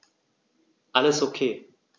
Alles OK.